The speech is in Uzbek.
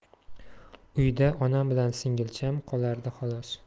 uyda onam bilan singilcham qolardi xolos